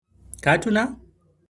Ka tuna?